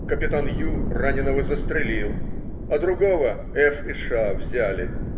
Капитан Ю. раненого застрелил, а другого Ф. и Ш. взяли.